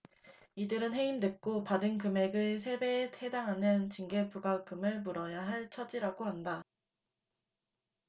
이들은 해임됐고 받은 금액의 세 배에 해당하는 징계부과금을 물어야 할 처지라고 한다